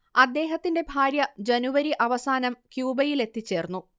അദ്ദേഹത്തിന്റെ ഭാര്യ ജനുവരി അവസാനം ക്യൂബയിലെത്തിച്ചേർന്നു